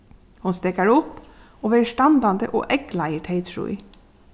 hon steðgar upp og verður standandi og eygleiðir tey trý